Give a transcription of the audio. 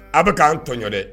Aw bɛ k'an tɔɲɔ dɛ